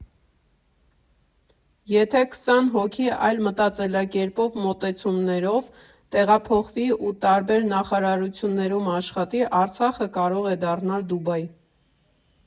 Եթե քսան հոգի այլ մտածելակերպով, մոտեցումներով տեղափոխվի ու տարբեր նախարարություններում աշխատի, Արցախը կարող է դառնալ Դուբայ։